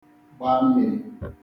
gbaa mmīrī